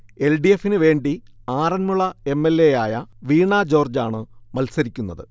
L. D. എഫിന് വേണ്ടി Aranmula M. L. എയായ വീണ ജോർജാണ് മത്സരിക്കുന്നത്